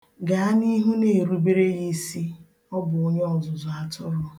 Gaa n'ihu na-erubere ya isi; ọ bụ onyeọzụzụ atụrụ